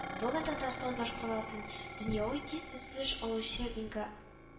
Бүген татарстан башкаласын дөньяви тиз үсеш алучы мега